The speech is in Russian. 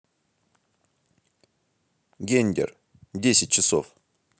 гендер десять часов